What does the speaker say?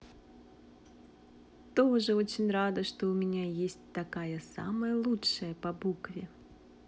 тоже очень рада что у меня есть такая самая лучшая по букве